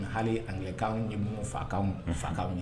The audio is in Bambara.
Hali angilɛkanw ye mun fa fakanw